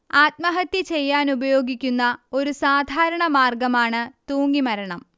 ആത്മഹത്യ ചെയ്യാനുപയോഗിക്കുന്ന ഒരു സാധാരണ മാർഗ്ഗമാണ് തൂങ്ങി മരണം